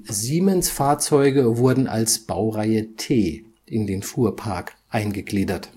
Siemens-Fahrzeuge wurden als Baureihe T in den Fuhrpark eingegliedert